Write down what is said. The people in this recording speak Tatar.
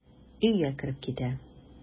Өйгә кереп китә.